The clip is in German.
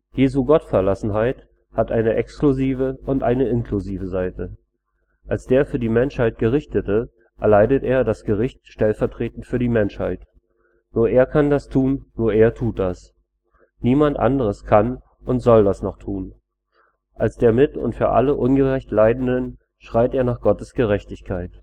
Jesu Gottverlassenheit hat eine exklusive und eine inklusive Seite. Als der für die Menschheit Gerichtete erleidet er das Gericht stellvertretend für die Menschheit: Nur er kann das, nur er tut das. Niemand anderes kann und soll das noch tun. Als der mit und für alle ungerecht Leidenden schreit er nach Gottes Gerechtigkeit